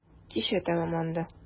Кичә тәмамланды.